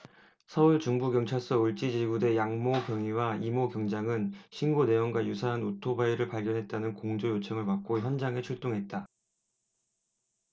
서울중부경찰서 을지지구대 양모 경위와 이모 경장은 신고 내용과 유사한 오토바이를 발견했다는 공조 요청을 받고 현장에 출동했다